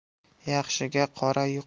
yaxshiga qora yuqmas